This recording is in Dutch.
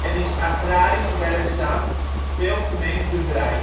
en is agrarisch werkzaam (veel gemengd bedrijf